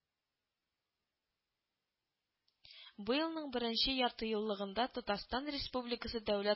Быелның беренче яртыеллыгында Татарстан Республикасы Дәүләт